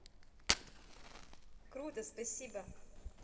круто спасибо